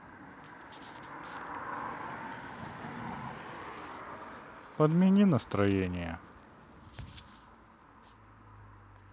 подними настроение